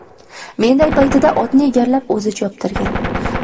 menday paytida otni egarlab o'zi choptirgan